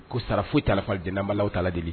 Ko sara foyi tafadbala ta deli